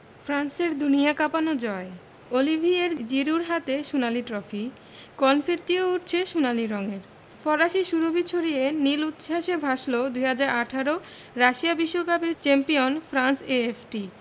ফ্রান্সের দুনিয়া কাঁপানো জয় অলিভিয়ের জিরুর হাতে সোনালি ট্রফি কনফেত্তিও উড়ছে সোনালি রঙের ফরাসি সুরভি ছড়িয়ে নীল উচ্ছ্বাসে ভাসল ২০১৮ রাশিয়া বিশ্বকাপের চ্যাম্পিয়ন ফ্রান্স এএফটি